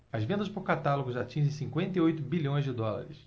as vendas por catálogo já atingem cinquenta e oito bilhões de dólares